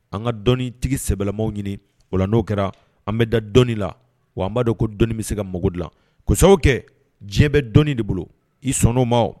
An ka dɔnni tigi sɛbɛnbɛman ɲini ola la n'o kɛra an bɛ da dɔn la wa b'a dɔn ko dɔn bɛ se ka mago dilansa kɛ diɲɛ bɛ dɔnnii de bolo i sɔn oo ma